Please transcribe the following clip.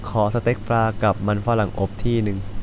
ขอสเต็กปลากับมันฝรั่งอบที่หนึ่ง